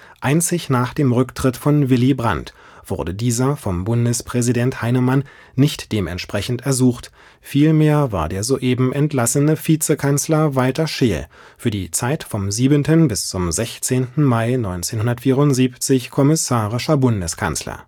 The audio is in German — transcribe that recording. Einzig nach dem Rücktritt von Willy Brandt wurde dieser von Bundespräsident Heinemann nicht dementsprechend ersucht; vielmehr war der soeben entlassene Vizekanzler Walter Scheel für die Zeit vom 7. bis 16. Mai 1974 kommissarischer Bundeskanzler